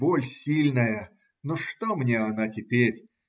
Боль сильная, но что мне она теперь?